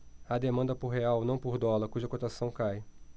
há demanda por real não por dólar cuja cotação cai